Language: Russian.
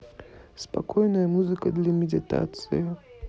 спокойная музыка для медитации